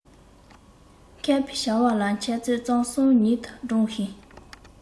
མཁས པའི བྱ བ ལ འཆད རྩོད རྩོམ གསུམ ཉིད དུ བགྲང ཞིང